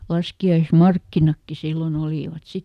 laskiaismarkkinatkin silloin olivat sitten